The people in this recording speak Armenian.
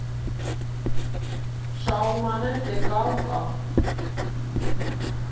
Շաուրման էլ դե կա ու կա։